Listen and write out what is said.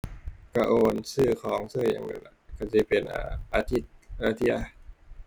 ก็โอนซื้อของ ซื้อหยังนั่นล่ะ ก็สิเป็น อ่า อาทิตย์ละเที่ย